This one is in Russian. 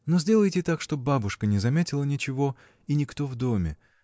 Но сделайте так, чтоб бабушка не заметила ничего, и никто в доме.